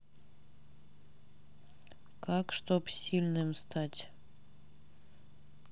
как чтоб сильным стать